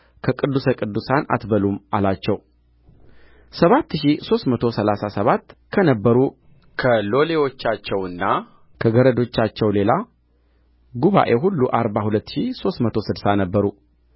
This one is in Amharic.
ከቅዱሰ ቅዱሳን አትበሉም አላቸው ሰባት ሺህ ሦስት መቶ ሠላሳ ሰባት ከነበሩ ከሎሌዎቻቸውና ከገረዶቻቸው ሌላ ጉባኤው ሁሉ አርባ ሁለት ሺህ ሦስት መቶ ስድሳ ነበሩ